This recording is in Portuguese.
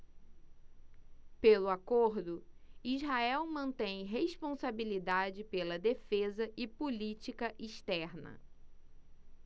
pelo acordo israel mantém responsabilidade pela defesa e política externa